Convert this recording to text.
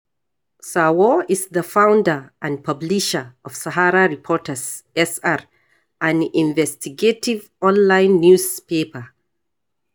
Sowore is the founder and publisher of SaharaReporters (SR), an investigative online newspaper.